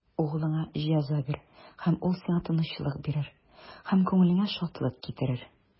Углыңа җәза бир, һәм ул сиңа тынычлык бирер, һәм күңелеңә шатлык китерер.